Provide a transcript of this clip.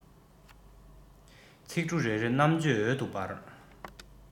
ཚིག འབྲུ རེ རེར རྣམ དཔྱོད འོད དུ འབར